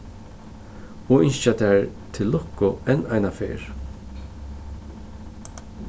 og ynskja tær til lukku enn einaferð